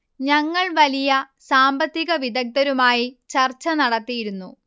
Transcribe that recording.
ഞങ്ങൾ വലിയ സാമ്പത്തിക വിദ്ഗധരുമായി ചർച്ച നടത്തിയിരുന്നു